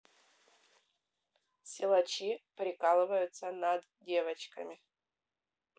силачи прикалываются над девочками